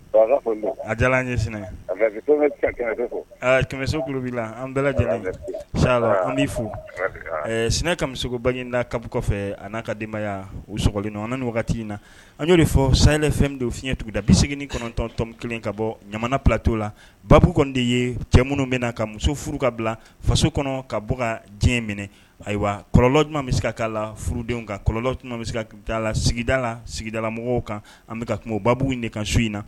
A an ye kɛmɛso la an bɛɛ lajɛlen an fo sɛnɛ kamiba inina kab kɔfɛ a n'a ka denbayaya u sogoli nɔn ni wagati in na an' de fɔ saya fɛn don fiɲɛɲɛ tuguda bi segin kɔnɔntɔntɔn kelen ka bɔ ɲamana ptɔo la ba kɔni de ye cɛ minnu bɛna ka muso furu ka bila faso kɔnɔ ka bɔ diɲɛ minɛ ayiwa kɔlɔlɔtuma bɛ se ka ka la furudenw kan kɔlɔlɔtuma la sigida la sigidala mɔgɔw kan an bɛka ka kun baa de kan so in na